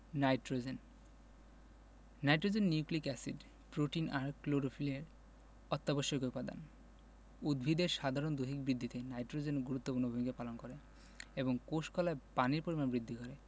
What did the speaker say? nitrogen nitrogen nucleic acid protein আর ক্লোরোফিলের অত্যাবশ্যকীয় উপাদান উদ্ভিদের সাধারণ দৈহিক বৃদ্ধিতে নাইট্রোজেন গুরুত্বপূর্ণ ভূমিকা পালন করে এবং কোষ কলায় পানির পরিমাণ বৃদ্ধি করে